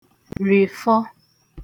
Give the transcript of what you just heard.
rìfọ